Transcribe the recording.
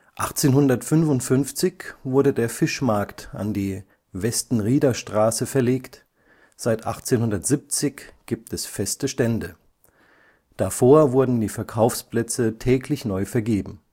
1855 wurde der Fischmarkt an die Westenriederstraße verlegt. Seit 1870 gibt es feste Stände - davor wurden die Verkaufsplätze täglich neu vergeben